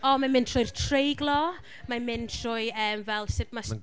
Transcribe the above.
O, mae'n mynd trwy'r treiglo, mae'n mynd trwy, yym, fel sut ma'...